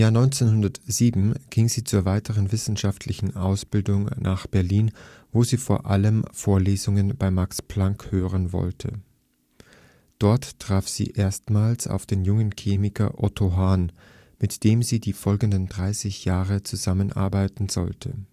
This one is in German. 1907 ging sie zur weiteren wissenschaftlichen Ausbildung nach Berlin, wo sie vor allem Vorlesungen bei Max Planck hören wollte. Dort traf sie erstmals auf den jungen Chemiker Otto Hahn, mit dem sie die folgenden 30 Jahre zusammenarbeiten sollte